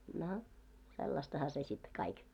no sellaistahan se sitten kaikki